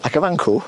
ac y fancŵ.